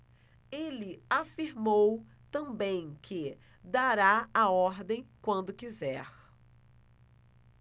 ele afirmou também que dará a ordem quando quiser